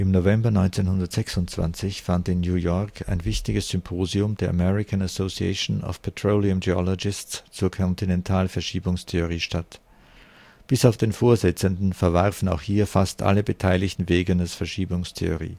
November 1926 fand in New York ein wichtiges Symposium der American Association of Petroleum Geologists zur Kontinentalverschiebungstheorie statt. Bis auf den Vorsitzenden verwarfen auch hier fast alle Beteiligten Wegeners Verschiebungstheorie